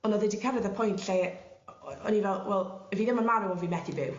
o'n o'dd e 'di cyrredd y pwynt lle o- o'n i fel wel 'yf fi ddim yn marw on' fi methu byw.